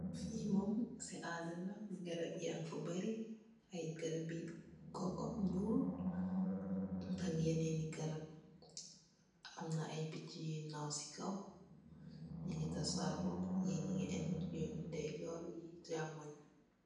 Fi moom si alaala garab yanfa bari ay garabi coco nuul ak yeneni garab amna ay pechi yoi naw si kaw nyugi tasaraw nee nyugi aww yuni ndye joor nyi samung.